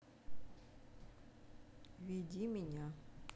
веди меня